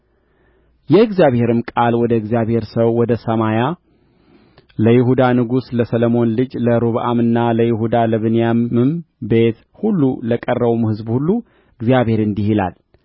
የእግዚአብሔርም ቃል ወደ እግዚአብሔር ሰው ወደ ሳማያ ለይሁዳ ንጉሥ ለሰሎሞን ልጅ ለሮብዓምና ለይሁዳ ለብንያምም ቤት ሁሉ ለቀረውም ሕዝብ ሁሉ እግዚአብሔር እንዲህ ይላል